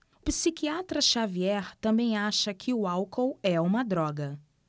o psiquiatra dartiu xavier também acha que o álcool é uma droga